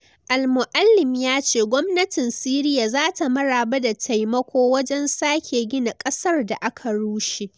Al-Moualem ya ce gwamnatin Siriya za ta maraba da taimako wajen sake gina ƙasar da aka rushe.